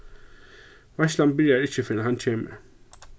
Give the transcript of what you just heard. veitslan byrjar ikki fyrr enn hann kemur